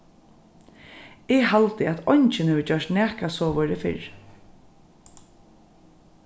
eg haldi at eingin hevur gjørt nakað sovorðið fyrr